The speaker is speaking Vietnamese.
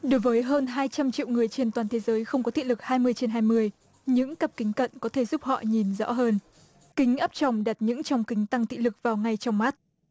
đối với hơn hai trăm triệu người trên toàn thế giới không có thị lực hai mươi trên hai mươi những cặp kính cận có thể giúp họ nhìn rõ hơn kính áp tròng đặt những tròng kính tăng thị lực vào ngay trong mắt